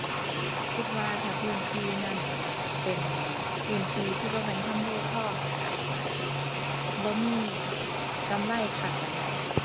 คิดว่าถ้าพื้นที่นั้นเป็นพื้นที่ที่บ่แม่นทำเลทอง คิดอาจจะบ่มีกำไรคักปานใด